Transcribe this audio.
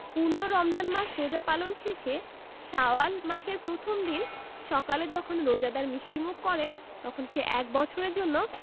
পূর্ণ রমজান মাস রোজা পালন শেষে শাওয়াল মাসের প্রথম দিন সকালে যখন রোজাদার মিষ্টিমুখ করে তখন সে এক বছরের জন্য